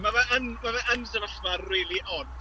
Ma' fe yn ma' fe yn sefyllfa rili od.